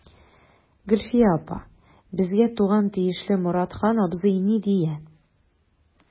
Гөлфия апа, безгә туган тиешле Моратхан абзый ни дия.